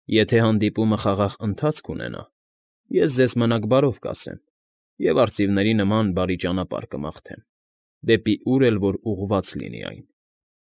Եթե հանդիպումը խաղաղ ընթացք ունենա, ես ձեզ մնաք բարով կասեմ և արծինվերի նման բարի ճանապարհ կմաղթեմ, դեպի ուր էլ որ ուղղված լինի այն։